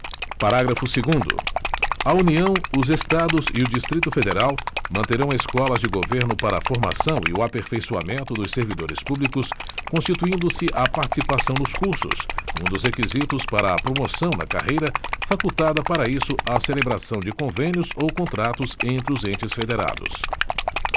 parágrafo segundo a união os estados e o distrito federal manterão escolas de governo para a formação e o aperfeiçoamento dos servidores públicos constituindo se a participação nos cursos um dos requisitos para a promoção na carreira facultada para isso a celebração de convênios ou contratos entre os entes federados